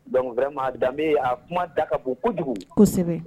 Donc vraiment danbe a kuma da ka bon kojugu, kosɛbɛ.